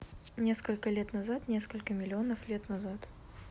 несколько лет назад несколько миллионов лет назад